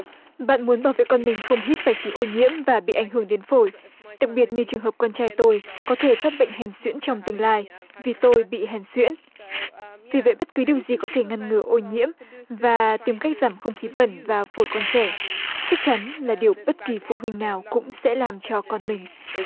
bạn muốn bảo vệ con mình không hít phải khí ô nhiễm và bị ảnh hưởng đến phổi đặc biệt như trường hợp con trai tôi có thể phát bệnh hen suyễn trong tương lai vì tôi bị hen suyễn vì vậy bất cứ điều gì có thể ngăn ngừa ô nhiễm và tìm cách giảm không khí bẩn vào phổi con trẻ chắc chắn là điều bất kỳ phụ huynh nào cũng sẽ làm cho con mình